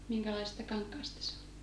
minkälaisesta kankaasta se oli